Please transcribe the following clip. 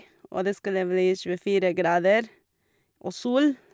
Og det skulle bli tjuefire grader og sol.